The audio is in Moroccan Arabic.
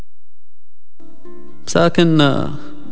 ساكن